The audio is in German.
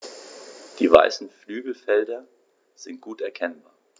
Die weißen Flügelfelder sind gut erkennbar.